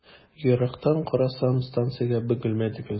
Ярыктан карасам, станциягә “Бөгелмә” дип язылган.